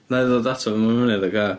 Wna i ddod ato fo mewn munud, ocê?